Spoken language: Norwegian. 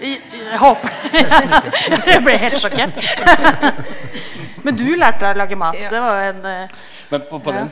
vi håper det ja jeg ble helt sjokkert , men du lærte deg å lage mat det var en ja.